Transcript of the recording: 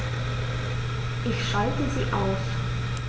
Ich schalte sie aus.